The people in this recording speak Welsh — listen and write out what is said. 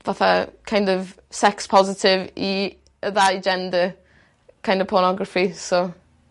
fatha kind of sex positive i y ddau gender kind of ponography so